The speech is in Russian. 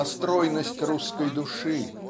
а стройность русской души